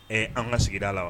Ɛ an ka sigida la